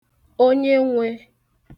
onyenwē